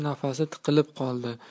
nafasi tiqilib qoldi